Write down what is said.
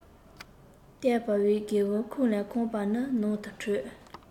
གཏད པའི སྒེ འུ ཁུང ལས ཁང པའི ནང དུ འཕྲོས